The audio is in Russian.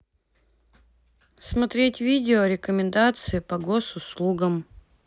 смотреть видео рекомендации по гос услугам